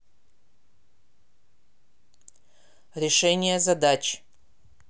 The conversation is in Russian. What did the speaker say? решение задач